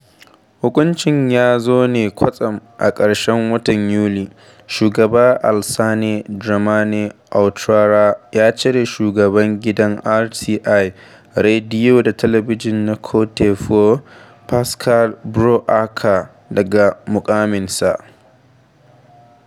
Hukuncin ya zo ne kwatsam a ƙarshen watan Yuli: Shugaba Alassane Dramane Ouattara ya cire Shugaban gidan RTI (Rediyo da Talabijin na Côte d'Ivoire), Pascal Brou Aka daga muƙaminsa.